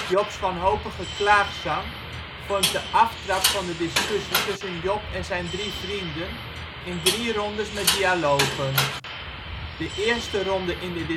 Jobs wanhopige klaagzang vormt de aftrap van de discussie tussen Job en zijn drie vrienden in drie rondes met dialogen. De eerste ronde in de discussie